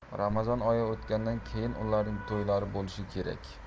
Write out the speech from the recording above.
ramazon oyi o'tgandan keyin ularning to'ylari bo'lishi kerak